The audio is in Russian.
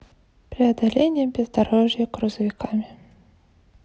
преодоление бездорожья грузовиками